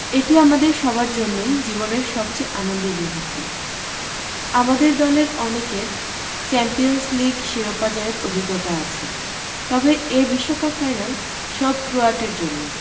এটি আমাদের সবার জন্যই জীবনের সবচেয়ে আনন্দের মুহূর্ত আমাদের দলের অনেকের চ্যাম্পিয়নস লিগ শিরোপা জয়ের অভিজ্ঞতা আছে তবে এ বিশ্বকাপ ফাইনাল সব ক্রোয়াটের জন্য